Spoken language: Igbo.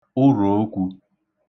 ụrọ̀okwū